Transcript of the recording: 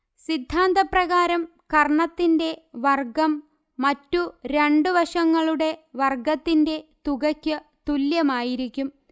സിദ്ധാന്തപ്രകാരം കർണ്ണത്തിന്റെ വർഗ്ഗം മറ്റുരണ്ടുവശങ്ങളുടെ വർഗ്ഗത്തിന്റെ തുകക്ക് തുല്യമായിരിക്കും